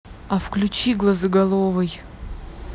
а включи глазоголовый